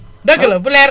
dëgg la bu leer